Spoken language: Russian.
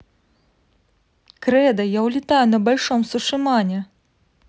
кредо я улетаю на большом сушимане